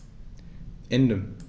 Ende.